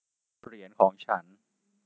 เหรียญของฉัน